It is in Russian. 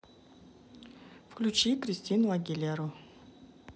включи кристину агилеру